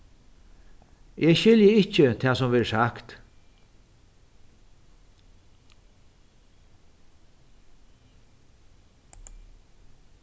eg skilji ikki tað sum verður sagt